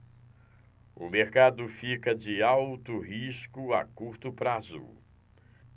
o mercado fica de alto risco a curto prazo